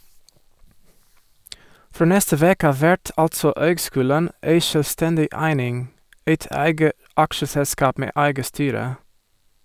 Frå neste veke av vert altså høgskulen ei sjølvstendig eining, eit eige aksjeselskap med eige styre.